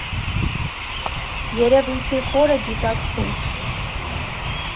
Երևույթի խորը գիտակցում։